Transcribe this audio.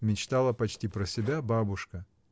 — мечтала почти про себя бабушка.